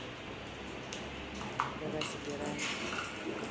давай собираем